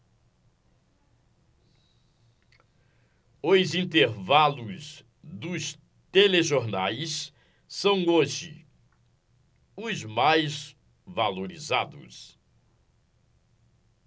os intervalos dos telejornais são hoje os mais valorizados